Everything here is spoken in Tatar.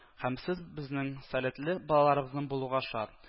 Һәм сез безнең кебек сәләтле балаларыбыз булуга шат, -